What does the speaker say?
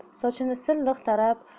sochini silliq tarab